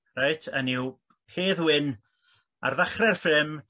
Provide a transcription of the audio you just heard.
Reit 'ynny yw Hedd Wyn ar ddechre'r ffilm